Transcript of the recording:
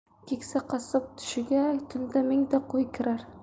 keksa qassob tushiga tunda mingta qo'y kirar